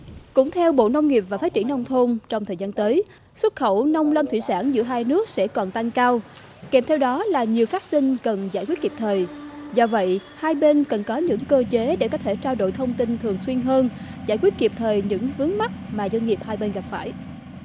cũng theo bộ nông nghiệp và phát triển nông thôn trong thời gian tới xuất khẩu nông lâm thủy sản giữa hai nước sẽ còn tăng cao kèm theo đó là nhiều phát sinh cần giải quyết kịp thời do vậy hai bên cần có những cơ chế để có thể trao đổi thông tin thường xuyên hơn giải quyết kịp thời những vướng mắc mà doanh nghiệp hai bên gặp phải